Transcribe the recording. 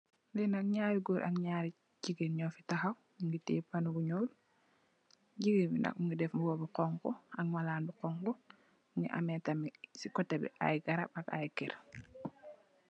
Lenak ngai re gorr ak ngari yu gigen nyo fi tahaw.nu gi tay pano bu nglu. gegan bi nak mu nge def mbuba bu honha ak malan bu honha mugi ameh tamit si koteh bi ai garab ak ai kerr.